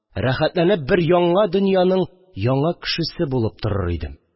Рәхәтләнеп бер яңа дөньяның яңа кешесе булып торыр идем